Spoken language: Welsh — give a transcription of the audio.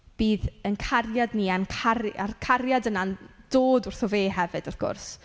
Bydd ein cariad ni, a'n car- a'r cariad yna'n dod wrtho fe hefyd, wrth gwrs.